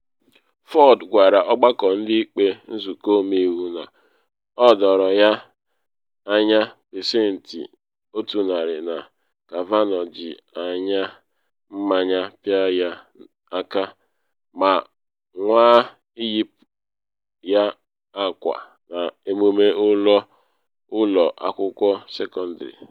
Ford gwara Ọgbakọ Ndị Ikpe Nzụkọ Ọmeiwu na o doro ya anya pasentị 100 na Kavanaugh ji anya mmanya pịa ya aka ma nwaa iyipu ya akwa n’emume ụlọ akwụkwọ sekọndịrị.